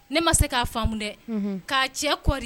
Ne ma se k'a faamumu dɛ k'a cɛ kɔri